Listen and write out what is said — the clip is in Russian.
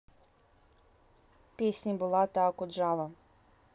песни булата акуджава